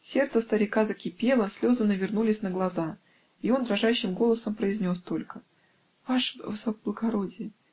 Сердце старика закипело, слезы навернулись на глазах, и он дрожащим голосом произнес только: "Ваше высокоблагородие!.